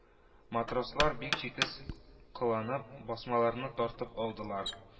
Матрослар, бик җитез кыланып, басмаларны тартып алдылар;